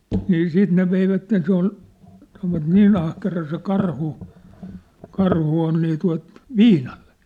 niin sitten ne veivät se oli sanoivat niin ahkera se karhu karhu on niin tuota viinalle